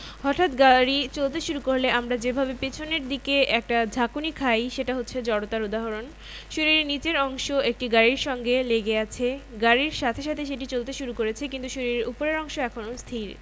এই অধ্যায়ে আমরা বল প্রয়োগ করে কীভাবে গতির সৃষ্টি করা যায় কিংবা গতিকে প্রভাবিত করা যায় সেটি শিখব আমরা নিউটনের প্রথম সূত্রটি দিয়ে শুরু করতে পারি নিউটনের প্রথম সূত্র